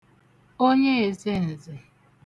onye èzenzè